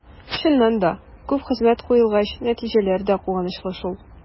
Чыннан да, күп хезмәт куелгач, нәтиҗәләр дә куанычлы шул.